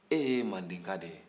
e ye mandeka de ye